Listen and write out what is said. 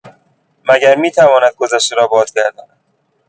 مگر می‌تواند گذشته را بازگرداند؟